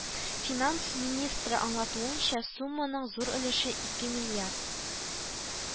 Финанс министры аңлатуынча, сумманың зур өлеше ике миллиард